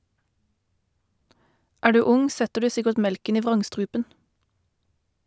Er du ung, setter du sikkert melken i vrangstrupen.